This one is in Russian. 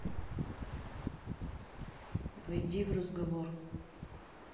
войди в разговор